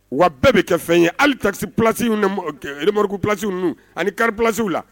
Wa bɛɛ bɛ kɛ fɛn ye hali tarisi plasibmariku plasisiww ninnu ani kariri plasisiww la